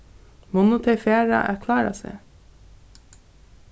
munnu tey fara at klára seg